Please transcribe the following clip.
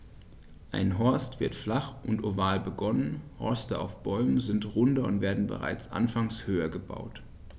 Ein Horst wird flach und oval begonnen, Horste auf Bäumen sind runder und werden bereits anfangs höher gebaut.